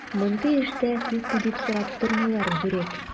Мондый эштә күпме дип сорап тормыйлар, дүрәк!